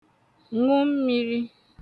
ṅụ mmīrī